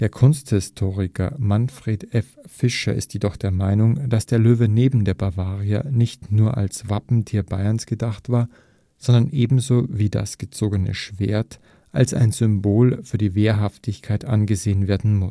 Kunsthistoriker Manfred F. Fischer ist jedoch der Meinung, dass der Löwe neben der Bavaria nicht nur als Wappentier Bayerns gedacht war, sondern ebenso wie das gezogene Schwert als ein Symbol für die Wehrhaftigkeit angesehen werden